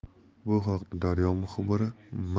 bu haqda daryo muxbiri